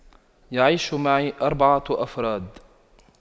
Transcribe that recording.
يعيش معي أربعة أفراد